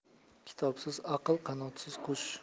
kitobsiz aql qanotsiz qush